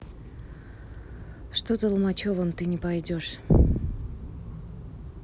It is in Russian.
что толмачевым ты не пойдешь